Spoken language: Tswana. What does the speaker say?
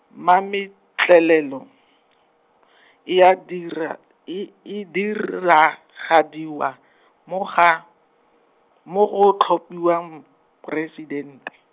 mametlelelo , e ya dira, e e dir- -ragadiwa mo ga, mo go tlhopiwang, Poresidente.